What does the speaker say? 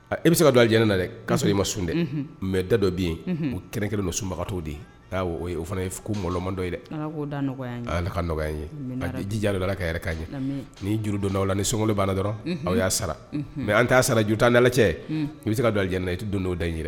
I bɛ se ka don ay ne na dɛ k'a sɔrɔ i ma sun dɛ mɛ da dɔ bɛ yen o kɛrɛn kelen don sunbagatɔ de ye o fana ye ko mɔlɔmadɔ ye dɛ a' ka nɔgɔya ye a tɛ dija dɔ la ka yɛrɛ ka ɲɛ ni jurudon aw ni sɔngo banna dɔrɔn aw y'a sara mɛ an t' sara juru tan dala cɛ n bɛ se ka don n i don o da n yɛrɛ dɛ